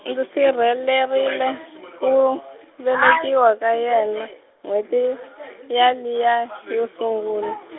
ndzi sirhelerile, ku, velekiwa ka yena, n'hweti, yaliya, yo sungula.